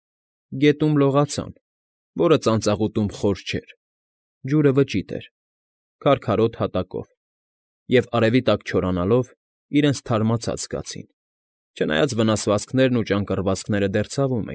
Գետում լողացան, որը ծանծաղուտում խոր չէր, ջուրը վճիտ էր, քարքարոտ հատակով, և, արևի տակ չորանալով, իրենց թարմացած զգացին, չնայած վնասվածքներն ու ճանկռվածքները դեռ ցավում։